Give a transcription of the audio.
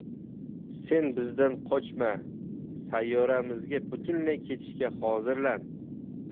sen bizdan qochma sayyoramizga butunlay ketishga hozirlan